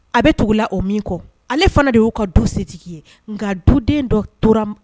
A bɛ tugula o min kɔ, ale fɔlɔ de y'o ka du setigi ye nka duden dɔ tura